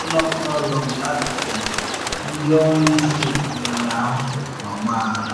Ụlọ mkpọrọ Long Lartin: Ndị ọrụ isii merụrụ ahụ n’ọgbaghara